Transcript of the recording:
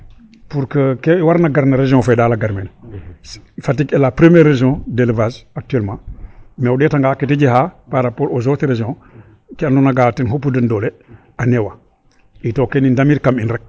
Pour que ke warna gara région fe daal a gar meen Fatick est la première région d' élevage actuellement mais o ɗeetanga ke ta jega par rapport au autre région nene o ga' ten xupu den doole a newa i to kene ndamir kam in rek.